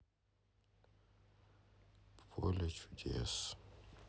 поле чудес